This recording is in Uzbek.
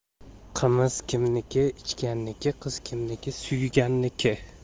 qimiz kimniki ichganniki qiz kimniki suyganniki